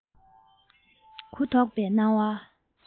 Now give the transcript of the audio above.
གུ དོག པའི སྣང བ